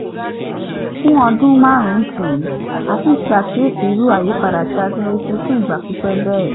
Fún ọdún márùn-ún nísìnyìí a ti ń ṣe àkíyèsí irú àyípadà tí a ti ń retí fún ìgbà pípẹ́ bẹ́ẹ̀.